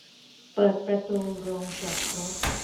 เปิดประตูโรงจอดรถ